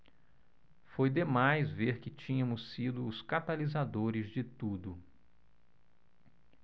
foi demais ver que tínhamos sido os catalisadores de tudo